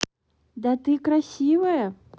да ты красивая